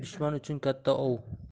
dushman uchun katta ov